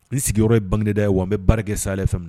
Ni sigiyɔrɔ ye bangeda yan wa n bɛ barika kɛ sa fɛ